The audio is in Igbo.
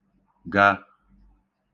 ga